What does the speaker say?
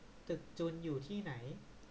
ตึกจุลอยู่ที่ไหน